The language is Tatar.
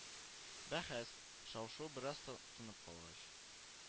Бәхәс, шау-шу бераз тынып калгач